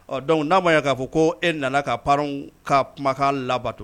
Ɔ dɔnkuc n'a ma ya k'a fɔ ko e nana ka pan ka kumakan labanto